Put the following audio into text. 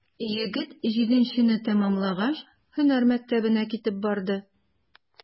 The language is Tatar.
Егет, җиденчене тәмамлагач, һөнәр мәктәбенә китеп барды.